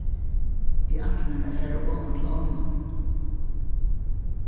eg ætli mær at fara oman til ánna